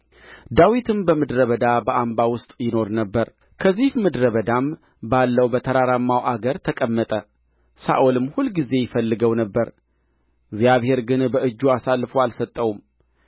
ዳዊትም በምድረ በዳ በአምባ ውስጥ ይኖር ነበር ከዚፍ ምድረ በዳም ባለው በተራራማው አገር ተቀመጠ ሳኦልም ሁልጊዜ ይፈልገው ነበር እግዚአብሔር ግን በእጁ አሳልፎ አልሰጠውም